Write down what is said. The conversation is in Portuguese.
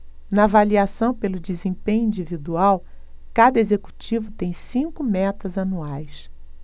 na avaliação pelo desempenho individual cada executivo tem cinco metas anuais